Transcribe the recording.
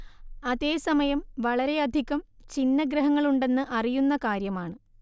അതേ സമയം വളരെയധികം ഛിന്നഗ്രഹങ്ങളുണ്ടെന്ന് അറിയുന്ന കാര്യമാണ്